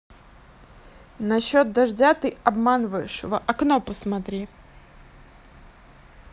насчет дождя ты обманываешь в окно посмотри